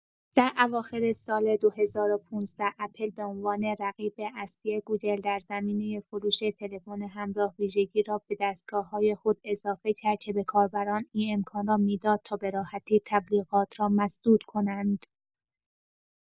در اواخر سال ۲۰۱۵، اپل به عنوان رقیب اصلی گوگل در زمینه فروش تلفن همراه ویژگی را به دستگاه‌های خود اضافه کرد که به کاربران این امکان را می‌داد تا به راحتی تبلیغات را مسدود کنند.